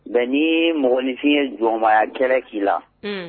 Bɛn ni mɔgɔninfin ye jɔnmaya kɛra k'i la